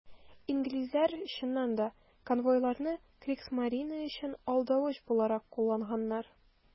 Инглизләр, чыннан да, конвойларны Кригсмарине өчен алдавыч буларак кулланганнар.